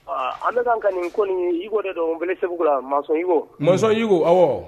An bɛka kan ka nin ko nin iko de don n wele segu la mazɔn iko mɔnzɔn yko aw